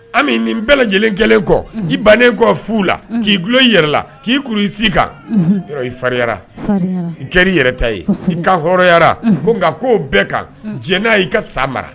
Ami nin bɛɛ lajɛlenkɛ kɔ i bannen kɔ fu la k'i tulolo i yɛrɛ la k'i kuru i si kan i faririnya i kɛra i yɛrɛ ta ye ka hɔrɔnya ko nka k'o bɛɛ kan diɲɛ n' y'i ka san mara